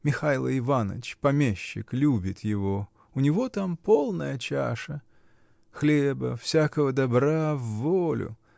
Михайло Иваныч, помещик, любит его — у него там полная чаша! Хлеба, всякого добра — вволю